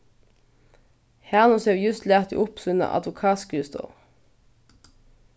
hanus hevur júst latið upp sína advokatskrivstovu